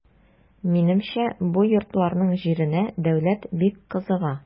Минемчә бу йортларның җиренә дәүләт бик кызыга.